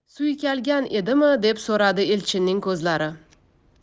suykalgan edimi deb so'radi elchinning ko'zlari